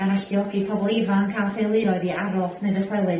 gan alluogi pobol ifanc a theuluoedd i aros neu ddychwelyd i'r